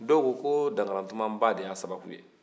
dɔw ko ko dankaratuma ba de ya sababu ye